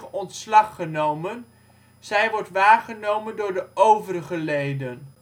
ontslag genomen, zij wordt waargenomen door de overige leden